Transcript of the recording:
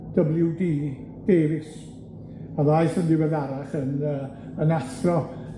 Double-you Dee Davies, a ddaeth yn ddiweddarach yn yy yn athro